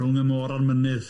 Rhwng y môr a'r mynydd.